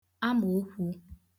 amòokwū